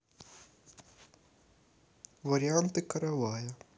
варианты каравая